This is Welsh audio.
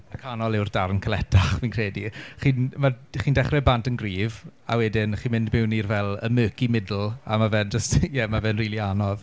Y canol yw'r darn caletach fi'n credu. Chi'n... ma'... chi'n dechrau bant yn gryf a wedyn chi'n mynd mewn i'r fel y murky middle a ma' fe'n jyst ie ma' fe'n rili anodd